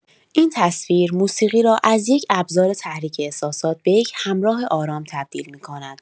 این تصویر، موسیقی را از یک ابزار تحریک احساسات به یک همراه آرام تبدیل می‌کند.